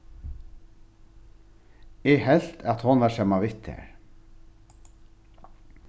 eg helt at hon var saman við tær